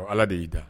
Ɔ allh de y'i da!